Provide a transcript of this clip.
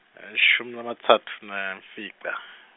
emashumi lamatsatfu nemfica.